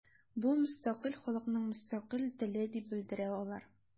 Бу – мөстәкыйль халыкның мөстәкыйль теле дип белдерә алар.